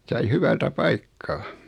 sain hyvältä paikkaa